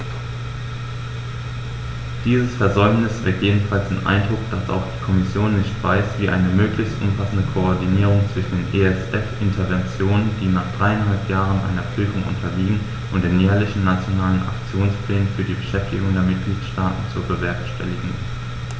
Dieses Versäumnis weckt jedenfalls den Eindruck, dass auch die Kommission nicht weiß, wie eine möglichst umfassende Koordinierung zwischen den ESF-Interventionen, die nach dreieinhalb Jahren einer Prüfung unterliegen, und den jährlichen Nationalen Aktionsplänen für die Beschäftigung der Mitgliedstaaten zu bewerkstelligen ist.